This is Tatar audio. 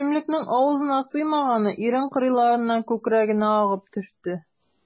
Эчемлекнең авызына сыймаганы ирен кырыйларыннан күкрәгенә агып төште.